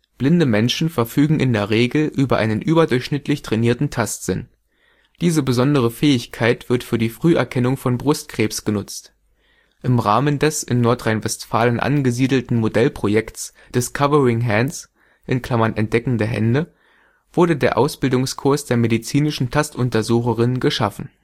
Blinde Menschen verfügen in der Regel über einen überdurchschnittlich trainierten Tastsinn. Diese besondere Fähigkeit wird für die Früherkennung von Brustkrebs genutzt. Im Rahmen des in Nordrhein-Westfalen angesiedelten Modellprojektes „ Discovering hands “(Entdeckende Hände) wurde der Ausbildungskurs der Medizinischen Tastuntersucherin geschaffen